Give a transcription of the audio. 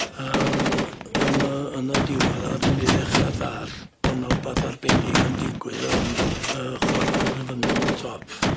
A ond yn y yn y diwedd aru ni ddechra ddall' bo' 'na wbath arbennig yn digwydd yn yy chwarel yn fyny yn y top.